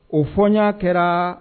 O fɔɲa kɛra